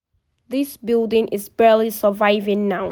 This building is barely surviving now.